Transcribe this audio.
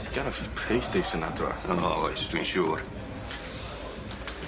Ganiff fi Playstation adra. O oes, dwi'n siŵr.